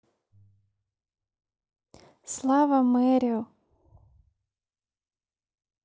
слава мэрил